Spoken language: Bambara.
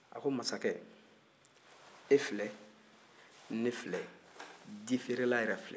a ko masakɛ e file ne filɛ di feerela yɛrɛ file